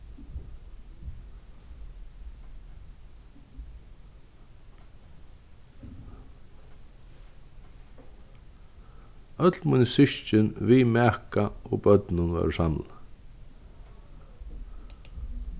øll míni systkin við maka og børnum vóru samlað